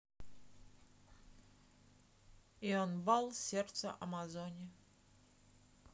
ionball сердце амазоне